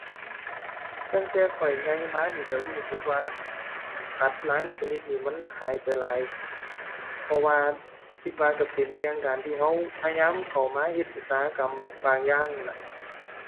ตั้งแต่ข้อยใหญ่มานี่ก็รู้สึกว่าสัตว์ลางชนิดนี่มันหายไปหลาย เพราะว่าคิดว่าก็เป็นเรื่องการที่ก็พยายามเข้ามาเฮ็ดอุตสาหกรรมบางอย่างนั่นล่ะ